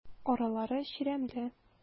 Аралары чирәмле.